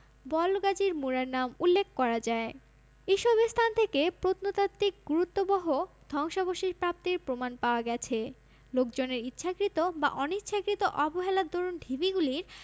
বলগাজীর মুড়ার নাম উল্লেখ করা যায় এসব স্থান থেকে প্রত্নতাত্ত্বিক গুরুত্ববহ ধ্বংসাবশেষ প্রাপ্তির প্রমাণ পাওয়া গেছে লোকজনের ইচ্ছাকৃত বা অনিচ্ছাকৃত অবহেলার দরুণ ঢিবিগুলির